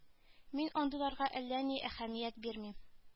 Мин андыйларга әллә ни әһәмият бирмим